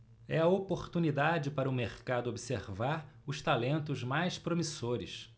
é a oportunidade para o mercado observar os talentos mais promissores